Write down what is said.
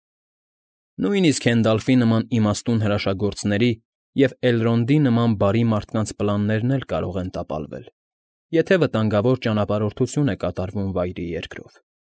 Նույնիսկ Հենդալֆի նման իմաստուն հրաշագործների և Էլրոնդի նման բարի մարդկանց պլաններն էլ կարող են տապալվել, եթե վտանգավոր ճանապարհորդություն է կատարվում Վայրի Երկրով։